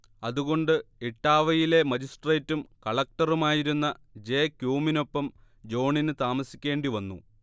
അതുകൊണ്ട് ഇട്ടാവയിലെ മജിസ്ട്രേറ്റും കളക്റ്ററുമായിരുന്ന ജെ ക്യുമിനൊപ്പം ജോണിന് താമസിക്കേണ്ടി വന്നു